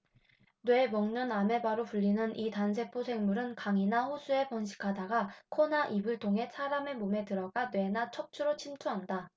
뇌 먹는 아메바로 불리는 이 단세포 생물은 강이나 호수에 번식하다가 코나 입을 통해 사람의 몸에 들어가 뇌나 척추로 침투한다